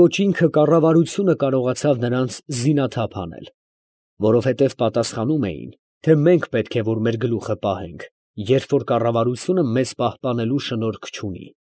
Ոչ ինքը կառավարությունը կարողացավ նրանց զինաթափ անել. որովհետև պատասխանում էին, թե մենք պետք է որ մեր գլուխը պահենք, երբ որ կառավարությունը մեզ պահպանելու շնորհք չունի։